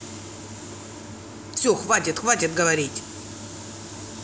все хватит хватит говорить